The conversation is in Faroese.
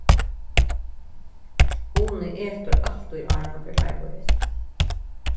uni etur altíð áðrenn hann fer til arbeiðis